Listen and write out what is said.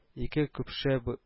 Ике көпшә